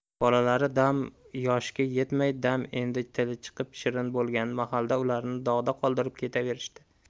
bolalari dam yoshga yetmay dam endi tili chiqib shirin bo'lgan mahalda ularni dog'da qoldirib ketaverishdi